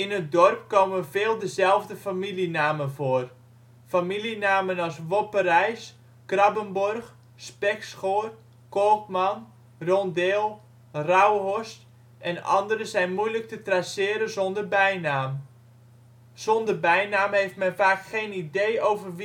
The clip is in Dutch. het dorp komen veel dezelfde familienamen voor. Familienamen als Wopereis, Krabbenborg, Spekschoor, Kolkman, Rondeel, Rouwhorst en andere zijn moeilijk te traceren zonder bijnaam. Zonder bijnaam heeft men vaak geen idee over